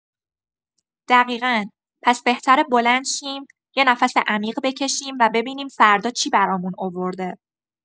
دقیقا، پس بهتره بلند شیم، یه نفس عمیق بکشیم و ببینیم فردا چی برامون آورده.